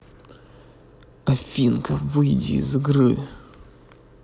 afinka выйди из игры